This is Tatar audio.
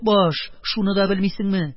Шуны да белмисенме?